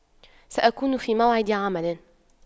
سأكون في موعد عمل